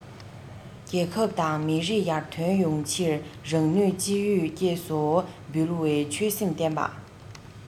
རྒྱལ ཁབ དང མི རིགས ཡར ཐོན ཡོང ཕྱིར རང ནུས ཅི ཡོད སྐྱེས སུ འབུལ བའི ཆོད སེམས བརྟན པ